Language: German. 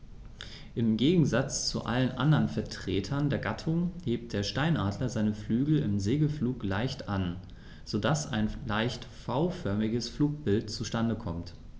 Im Gegensatz zu allen anderen Vertretern der Gattung hebt der Steinadler seine Flügel im Segelflug leicht an, so dass ein leicht V-förmiges Flugbild zustande kommt.